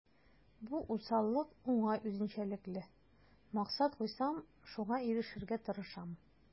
Бу усаллык уңай үзенчәлекле: максат куйсам, шуңа ирешергә тырышам.